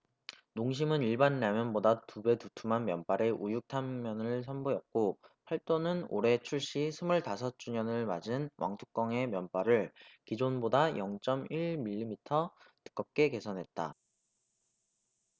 농심은 일반라면보다 두 배 두툼한 면발의 우육탕면을 선보였고 팔도는 올해 출시 스물 다섯 주년을 맞은 왕뚜껑의 면발을 기존보다 영 쩜 일 밀리미터 두껍게 개선했다